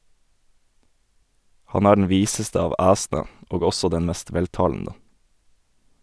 Han er den viseste av æsene og også den mest veltalende.